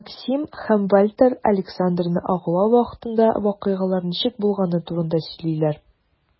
Максим һәм Вальтер Александрны агулау вакытында вакыйгалар ничек булганы турында сөйлиләр.